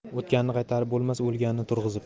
o'tganni qaytarib bo'lmas o'lganni turg'izib